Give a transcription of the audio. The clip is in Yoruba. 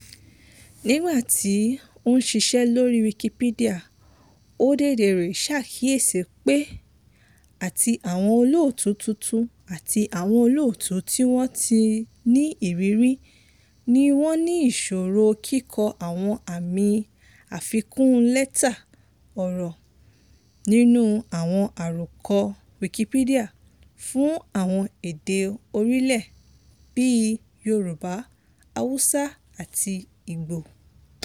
Nígbà tí ó ń ṣiṣẹ́ lórí Wikipedia, Odedere ṣàkíyèsí pé àti àwọn olóòtú tuntun àti àwọn olóòtú tí wọ́n tí ní ìrírí ni wọ́n ní ìṣòro kíkọ́ àwọn àmì àfikún lẹ́tà ọ̀rọ̀ nínú àwọn àròkọ Wikipedia fún àwọn èdè orílẹ̀ bíi Yorùbá, Hausa àti Igbo.